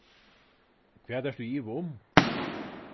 hvat ert tú í iva um